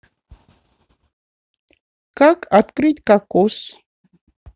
как открыть кокос